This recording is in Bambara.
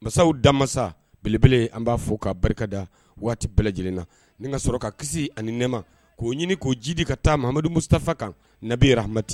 Masaw daman belebele an b'a fɔ ka barika da waati bɛɛ lajɛlen na ni ka sɔrɔ ka kisi ani nɛma k'o ɲini k'o jidi ka taamadu mustafa kan nabihati